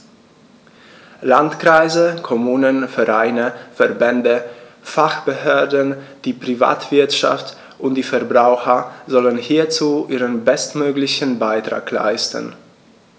Landkreise, Kommunen, Vereine, Verbände, Fachbehörden, die Privatwirtschaft und die Verbraucher sollen hierzu ihren bestmöglichen Beitrag leisten.